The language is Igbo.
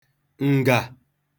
ǹga